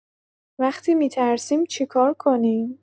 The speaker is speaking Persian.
وقتی می‌ترسیم چی کار کنیم؟